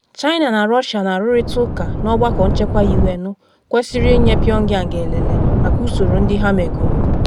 China na Russia na-arụrịta ụka na Ọgbakọ Nchekwa U.N. kwesịrị inye Pyongyang elele maka usoro ndị ha megoro.